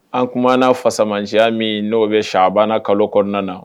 An kumaa fasama siya min n'o bɛ sa a banna kalo kɔnɔna na